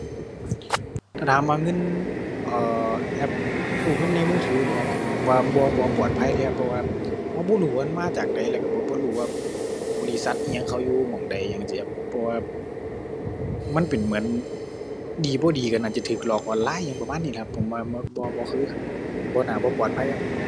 ถ้าถามว่าเงิน เอ่อ แอปกู้เงินในมือถือเบาะ ผมว่าบ่ บ่ปลอดภัยเลยครับ เพราะว่าเราบ่รู้ว่ามันมาจากใดแล้วเราบ่บ่รู้ว่าบริษัทอิหยังเขาอยู่หม้องใดจั่งซี้ครับ เพราะว่ามันเป็นเหมือน ดีบ่ดีเราน่าจะเราหลอกออนไลน์อิหยังประมาณนี้ล่ะครับ ผมว่าบ่ บ่คือครับ บ่น่า บ่ปลอดภัยครับ